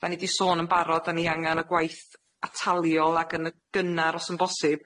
'Dan ni 'di sôn yn barod, 'dan ni angan y gwaith ataliol, ac yn yn gynnar os yn bosib,